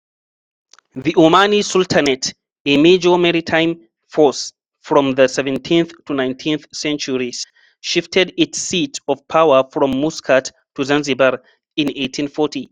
The Omani Sultanate, a "major maritime force from the 17th to 19th centuries", shifted its seat of power from Muscat to Zanzibar in 1840.